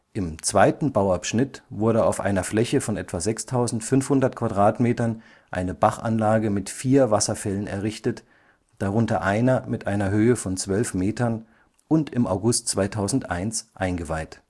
Im zweiten Bauabschnitt wurde auf einer Fläche von etwa 6.500 m² eine Bachanlage mit vier Wasserfällen errichtet, darunter einer mit einer Höhe von 12 Metern, und im August 2001 eingeweiht